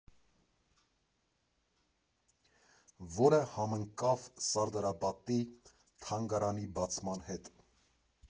Որը համընկավ Սարդարապատի թանգարանի բացման հետ։